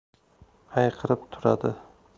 hayqirib turadi